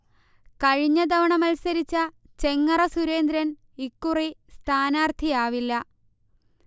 കഴിഞ്ഞതവണ മത്സരിച്ച ചെങ്ങറ സുരേന്ദ്രൻ ഇക്കുറി സ്ഥാനാർഥിയാവില്ല